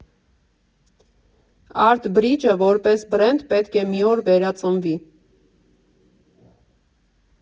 Արտ Բրիջը՝ որպես Բրենդ, պետք է մի օր վերածնվի։